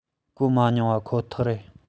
གོ མ མྱོང པ ཁོ ཐག རེད